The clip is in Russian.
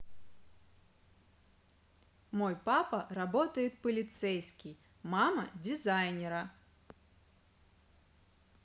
мой папа работает полицейский мама дизайнера